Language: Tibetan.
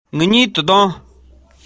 དགུན གྱི གྲང ངར སེམས ཅན གྱི